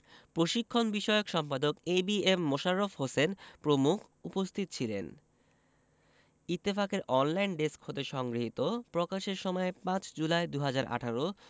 প্রশিক্ষণ বিষয়ক সম্পাদক A B M Mosharraf Hossain প্রমুখ উপস্থিত ছিলেন ইত্তেফাকের অনলাইন ডেস্ক হতে সংগৃহীত প্রকাশের সময় ৫ জুলাই ২০১৮